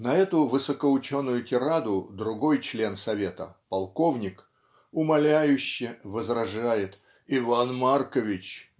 На эту высокоученую тираду другой член совета полковник "умоляюще" возражает "Иван Маркович!